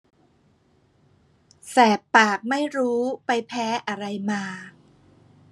แสบปากไม่รู้ไปแพ้อะไรมา